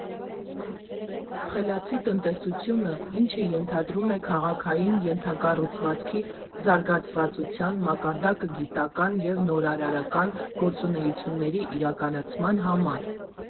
«Խելացի» տնտեսությունը, ինչը ենթադրում է քաղաքային ենթակառուցվածքի զարգացվածության մակարդակը գիտական և նորարարական գործունեությունների իրականացման համար,